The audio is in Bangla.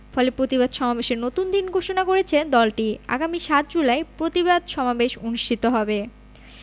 ফলে প্রতিবাদ সমাবেশের নতুন দিন ঘোষণা করেছে দলটি আগামী ৭ জুলাই প্রতিবাদ সমাবেশ অনুষ্ঠিত হবে